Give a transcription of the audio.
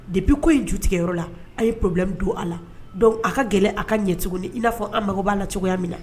De bi ko in ju tigɛyɔrɔ la a ye pbi don a la a ka gɛlɛn a ka ɲɛcogo i n'a fɔ an mako b'a na cogoyaya min na